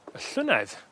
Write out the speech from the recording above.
y llynedd